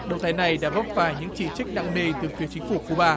động thái này đã vấp phải những chỉ trích nặng nề từ phía chính phủ cu ba